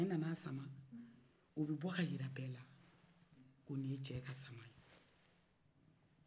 onan'a sama obɛ bɔ kayira bɛ la